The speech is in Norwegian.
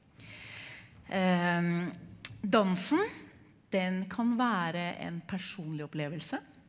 dansen den kan være en personlig opplevelse.